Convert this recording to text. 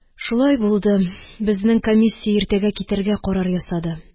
Шулай булды, безнең комиссия иртәгә китәргә карар ясады.